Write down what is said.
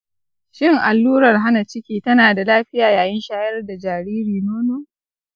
shin allurar hana ciki tana da lafiya yayin shayar da jariri nono?